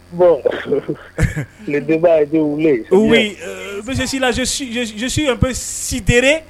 Bon enba ye wele bɛse silasi bɛ sitere